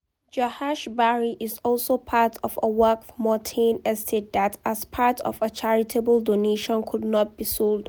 Jahaj Bari is also part of a Waqf (mortmain) estate that, as part of a charitable donation, could not be sold.